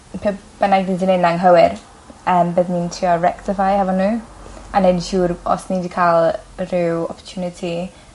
be' bynnag ni 'di neud yn anghywir yym bydden nw'n trio rectifeio efo n'w a neud yn siŵr os ni 'di ca'l rhyw opportunity